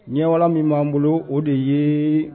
Ɲɛwalan min b'an bolo o de ye